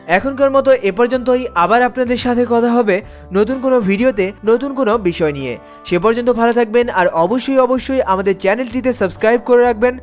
এখনকার মত এ পর্যন্তই আবার আপনাদের সাথে কথা হবে নতুন কোন ভিডিওতে নতুন কোন বিষয় নিয়ে সে পর্যন্ত ভালো থাকবেন আর অবশ্যই অবশ্যই আমাদের চ্যানেলটিকে সাবস্ক্রাইব করে রাখবেন